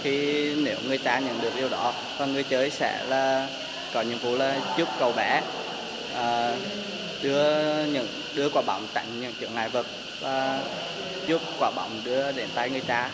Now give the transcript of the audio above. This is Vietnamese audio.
khi nếu người ta nhận được điều đó và người chơi sẽ là có nhiệm vụ là giúp cậu bé à đưa những đưa quả bóng tránh những chướng ngại vật và giúp quả bóng đưa đến tay người ta